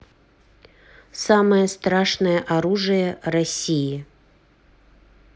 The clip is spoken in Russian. самое страшное оружие россии